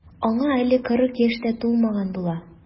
Аңа әле кырык яшь тә тулмаган була.